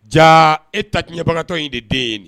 Ja e tatiɲɛbagatɔ in de den ye